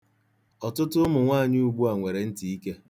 Ọtụtụ ụmụ nwaanyị ugbua nwere ntịike.